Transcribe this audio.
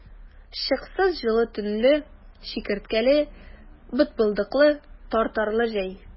Чыксыз җылы төнле, чикерткәле, бытбылдыклы, тартарлы җәй!